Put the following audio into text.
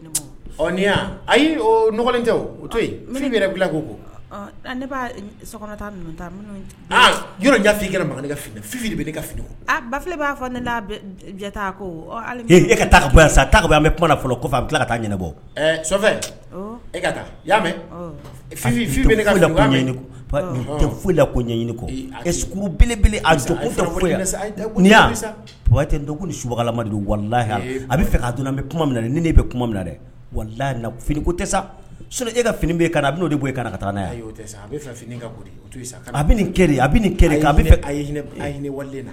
Cɛ ko yɔrɔ i fini fini ba b' fɔ e taabɔ e ɲɛ foyila ko ɲɛbeleb niba walilayi a bɛ fɛ donna kuma ni bɛ kuma dɛ waliyi fini ko tɛ sa e ka fini a' de bɔ i kana ka taa n' a